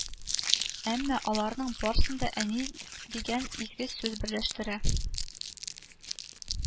Әмма аларның барсын да әни дигән изге сүз берләштерә